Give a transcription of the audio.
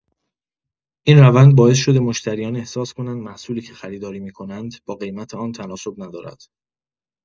این روند باعث شده مشتریان احساس کنند محصولی که خریداری می‌کنند با قیمت آن تناسب ندارد.